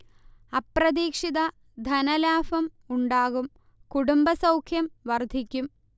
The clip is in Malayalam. അപ്രതീക്ഷിത ധനലാഭം ഉണ്ടാകും കുടുംബസൗഖ്യം വർധിക്കും